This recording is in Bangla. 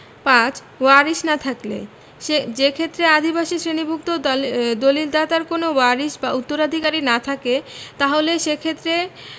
৫ ওয়ারিশ না থাকলে যেক্ষেত্রে আদিবাসী শ্রেণীভুক্ত দলিদাতার কোনও ওয়ারিশ উত্তরাধিকারী না থাকে তাহলে সেক্ষেত্রে